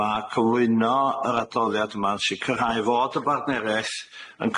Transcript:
Ma' cyflwyno yr adroddiad yma'n sicrhau fod y bartnereth yn